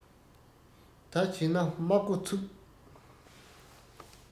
ད བྱས ན དམག སྒོ ཚུགས